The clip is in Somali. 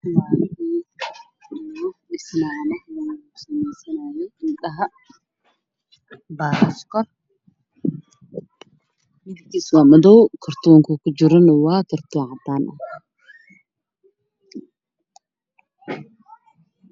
Waa baal ay ku samaysanayaan indhaha naagaha wuxuu ku jiraan baakad cadaan ah ayaga kalirkooduna waa madow